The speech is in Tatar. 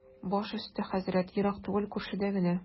Баш өсте, хәзрәт, ерак түгел, күршедә генә.